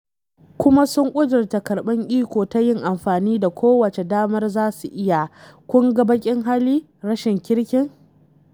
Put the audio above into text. Kuma sun ƙudurta karɓan iko ta yin amfani da kowace damar za su iya, kun ga baƙin halin, rashin kirkin.